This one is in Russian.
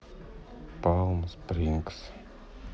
палм спрингс